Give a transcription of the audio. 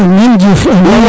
amiin Diouf